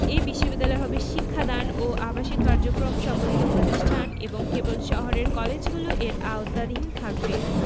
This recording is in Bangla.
এ বিশ্ববিদ্যালয় হবে শিক্ষাদান ও আবাসিক কার্যক্রম সম্বলিত প্রতিষ্ঠান এবং কেবল শহরের কলেজগুলি এর আওতাধীন থাকবে